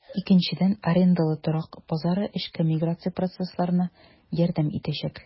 Икенчедән, арендалы торак базары эчке миграция процессларына ярдәм итәчәк.